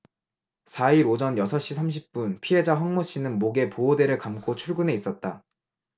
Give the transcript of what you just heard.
사 일 오전 여섯 시 삼십 분 피해자 황모씨는 목에 보호대를 감고 출근해 있었다